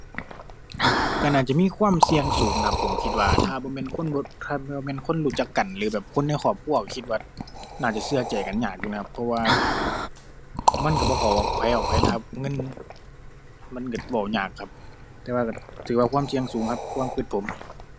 ก็น่าจะมีความเสี่ยงสูงนะครับ ผมคิดว่าถ้าบ่แม่นคนบ่ ถ้าบ่แม่นคนรู้จักกันหรือแบบคนในครอบครัว ก็คิดว่าน่าจะก็ใจกันยากอยู่นะครับ เพราะว่า มันก็บ่เข้าออกไผออกไผนะครับ เงิน มันก็เว้ายากครับ แต่ว่าก็ถือว่าความเสี่ยงสูงครับ ความก็ผม